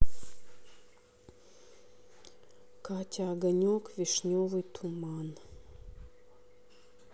катя огонек вишневый туман